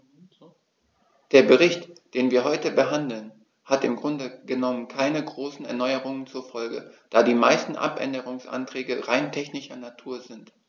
Der Bericht, den wir heute behandeln, hat im Grunde genommen keine großen Erneuerungen zur Folge, da die meisten Abänderungsanträge rein technischer Natur sind.